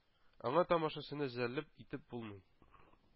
Аңа тамашачыны җәлеп итеп булмый